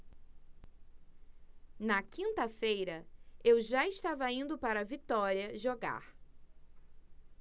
na quinta-feira eu já estava indo para vitória jogar